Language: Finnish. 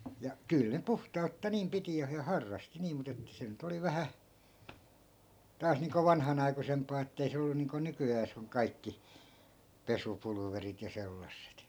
ja kyllä ne puhtautta niin piti ja - harrasti niin mutta että se nyt oli vähän taas niin kuin vanhanaikuisempaa että ei se ollut niin kuin nykyään on kaikki pesupulverit ja sellaiset